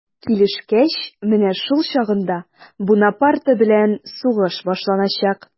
Килешкәч, менә шул чагында Бунапарте белән сугыш башланачак.